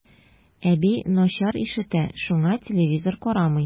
Әби начар ишетә, шуңа телевизор карамый.